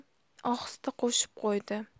ohista qo'shib qo'ydi